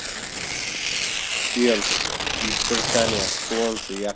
uels buyuk britaniyasuonsi